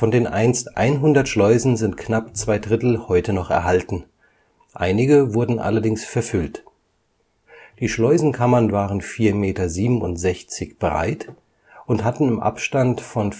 den einst 100 Schleusen sind knapp zwei Drittel heute noch erhalten, einige wurden allerdings verfüllt. Die Schleusenkammern waren 4,67 Meter (16 Fuß) breit und hatten im Abstand von 34,50